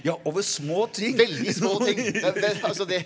ja over små ting .